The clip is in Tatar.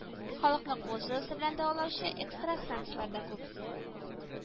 Халыкны кул җылысы белән дәвалаучы экстрасенслар да күп